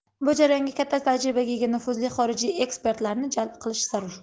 bu jarayonga katta tajribaga ega nufuzli xorijiy ekspertlarni jalb qilish zarur